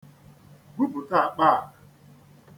Gwupụta akpa a.